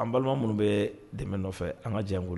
An balima minnu bɛ dɛmɛ nɔfɛ an ka jɛ n bolo